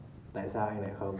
tại sao anh lại không